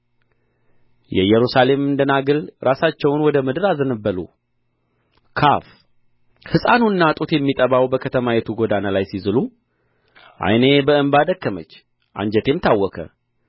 የኢየሩሳሌም ደናግል ራሳቸውን ወደ ምድር አዘነበሉ ካፍ ሕፃኑና ጡት የሚጠባው በከተማይቱ ጐዳና ላይ ሲዝሉ ዓይኔ በእንባ ደከመች አንጀቴም ታወከ